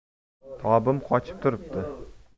tobim qochib turibdi